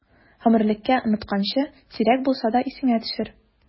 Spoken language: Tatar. Гомерлеккә онытканчы, сирәк булса да исеңә төшер!